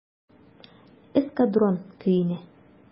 "эскадрон" көенә.